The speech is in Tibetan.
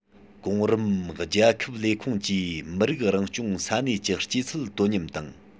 གོང རིམ རྒྱལ ཁབ ལས ཁུངས ཀྱིས མི རིགས རང སྐྱོང ས གནས ཀྱི སྐྱེ ཚུལ དོ མཉམ དང